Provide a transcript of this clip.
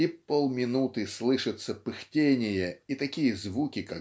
и полминуты слышится пыхтение и такие звуки